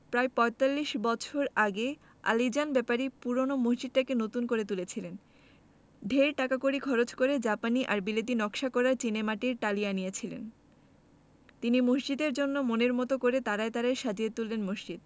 প্রায় পঁয়তাল্লিশ বছর আগে আলীজান ব্যাপারী পূরোনো মসজিদটাকে নতুন করে তুলেছিলেন ঢের টাকাকড়ি খরচ করে জাপানি আর বিলেতী নকশা করা চীনেমাটির টালি আনিয়েছিলেন তিনি মসজিদের জন্যে মনের মতো করে তারায় তারায় সাজিয়ে তুললেন মসজিদ